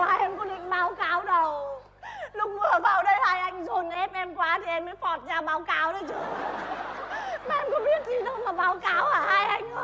em có định báo cáo đâu lúc vừa vào đây hai anh dồn ép em quá thì em mới phọt ra báo cáo đấy chứ mà em có biết gì đâu mà báo cáo hả hai anh ơi